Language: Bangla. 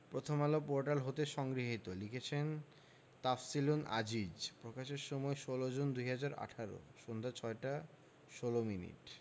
প্রথমআলো পোর্টাল হতে সংগৃহীত লিখেছেন তাফসিলুল আজিজ প্রকাশের সময় ১৬জুন ২০১৮ সন্ধ্যা ৬টা ১৬ মিনিট